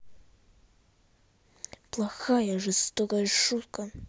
плохая жестокая штука